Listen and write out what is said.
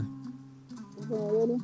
emission o weeli